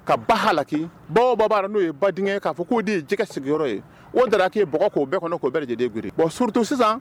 Ka ba hala baw n'o ye ba denkɛ k'a fɔ k'o de ye sigiyɔrɔ ye o da''o bɛɛ kɔnɔ'o bɛɛ lajɛlen g bɔn surutu sisan